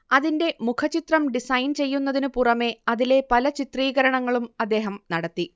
അതിന്റെ മുഖചിത്രം ഡിസൈൻ ചെയ്യുന്നതിനു പുറമേ അതിലെ പല ചിത്രീകരണങ്ങളും അദ്ദേഹം നടത്തി